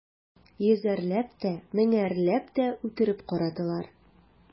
Йөзәрләп тә, меңәрләп тә үтереп карадылар.